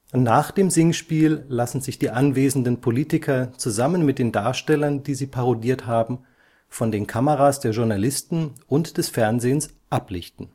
Nach dem Singspiel lassen sich die anwesenden Politiker zusammen mit den Darstellern, die sie parodiert haben, von den Kameras der Journalisten und des Fernsehens ablichten